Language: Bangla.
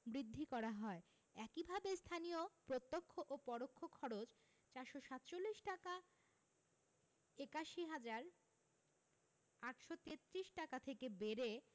বৃদ্ধি করা হয় একইভাবে স্থানীয় প্রত্যক্ষ ও পরোক্ষ খরচ ৪৪৭ টাকা ৮১ হাজার ৮৩৩ টাকা থেকে বেড়ে